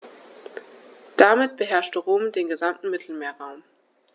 Damit beherrschte Rom den gesamten Mittelmeerraum.